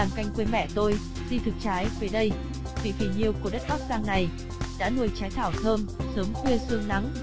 làng canh quê mẹ tôi di thực trái về đây vị phì nhiêu của đất bắc giang này đã nuôi trái thảo thơm sớm khuya sương nắng